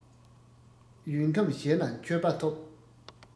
ཡུལ ཁམས གཞན ན མཆོད པ ཐོབ